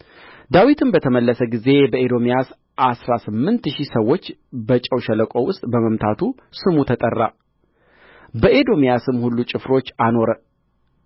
ዳዊትም በተመለሰ ጊዜ ከኤዶምያስ አሥራ ስምንት ሺህ ሰዎች በጨው ሸለቆ ውስጥ በመምታቱ ስሙ ተጠራ በኤዶምያስ ሁሉ ጭፍሮች አኖረ